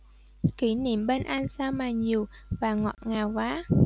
kỷ niệm bên anh sao mà nhiều và ngọt ngào quá